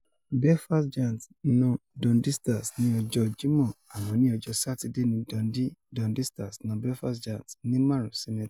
Belfast Giants na Dundee Stars ní ọjọ́ Jímọ̀. Àmọ́ ní ọjọ́ Sátidé ní Dundee, Dundee Stars na Belfast Giants ní 5 sí 3.